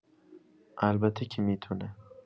البته که می‌تونه.